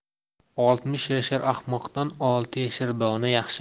oltmish yashar ahmoqdan olti yashar dono yaxshi